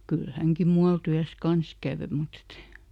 kyllä hänkin muualla työssä kanssa kävi mutta että ei